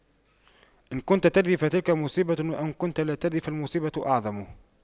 إذا كنت تدري فتلك مصيبة وإن كنت لا تدري فالمصيبة أعظم